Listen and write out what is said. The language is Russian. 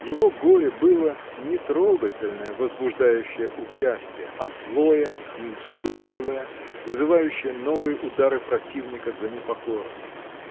Его горе было не трогательное, возбуждающее участие, а злое, неуступчивое, вызывающее новые удары противника за непокорность.